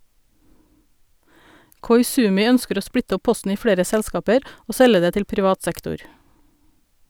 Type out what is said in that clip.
Koizumi ønsker å splitte opp posten i flere selskaper og selge det til privat sektor.